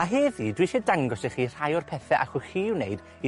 A heddi, dwi isie dangos i chi rhai o'r pethe allwch chi 'u wneud i